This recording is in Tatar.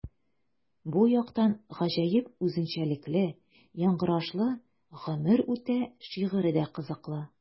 Бу яктан гаҗәеп үзенчәлекле яңгырашлы “Гомер үтә” шигыре дә кызыклы.